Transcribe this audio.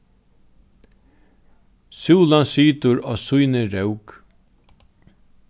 súlan situr á síni rók